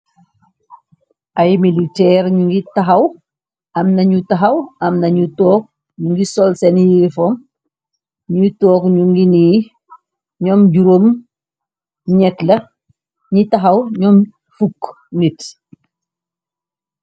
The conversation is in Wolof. Ay militeer nugi taxaw am na ñu taxaw am na ñu took ñu ngi sol seni uniform ñuy took nu gi nee ñoom juróom foxi nit la ñi taxaw ñoom foxi nit.